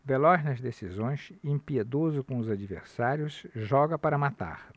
veloz nas decisões impiedoso com os adversários joga para matar